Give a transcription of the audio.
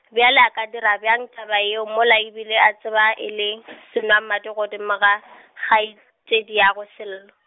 bjale a ka dira bjang taba yeo mola a bile a tseba e le , senwamadi godimo ga , kgaetšediagwe Sello.